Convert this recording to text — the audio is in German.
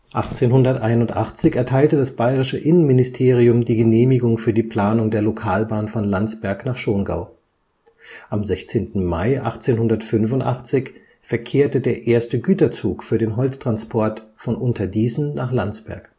1881 erteilte das bayerische Innenministerium die Genehmigung für die Planung der Lokalbahn von Landsberg nach Schongau. Am 16. Mai 1885 verkehrte der erste Güterzug für den Holztransport von Unterdießen nach Landsberg